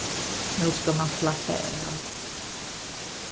nú skal mann slappa av